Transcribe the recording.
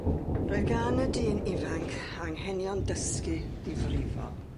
Roedd gan y dyn ifanc anghenion dysgu difrifol.